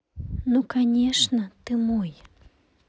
ну конечно ты мой